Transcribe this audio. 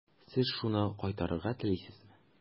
Сез шуны кайтарырга телисезме?